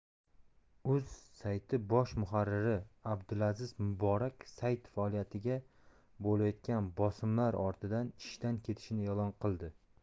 uz sayti bosh muharriri abdulaziz muborak sayt faoliyatiga bo'layotgan bosimlar ortidan ishdan ketishini e'lon qildi